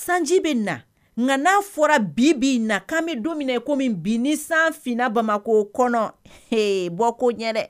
Sanji bɛ na nka n'a fɔra bi bɛ na k'an bɛ don min kɔmi bi ni san fna bamakɔ kɔnɔ bɔ ko ɲɛ dɛ